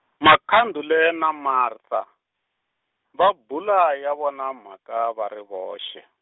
Makhanduli na Martha, va bula ya vona mhaka va ri voxe.